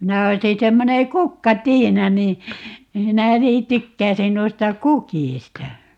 minä olisin semmoinen kukkatiina niin minä niin tykkäisin noista kukista